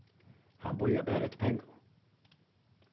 hann bíðar bara eftir pengunum